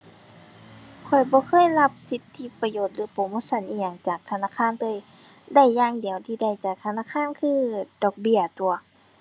ข้อยบ่เคยรับสิทธิประโยชน์หรือโปรโมชันอิหยังจากธนาคารเลย ได้อย่างเดียวที่ได้จากธนาคารคือดอกเบี้ยตั่ว